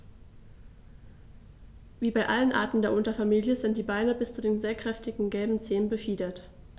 Wie bei allen Arten der Unterfamilie sind die Beine bis zu den sehr kräftigen gelben Zehen befiedert.